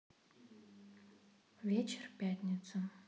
вечер пятница